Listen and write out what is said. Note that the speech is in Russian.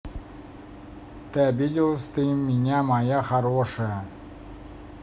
ты обиделась ты меня моя хорошая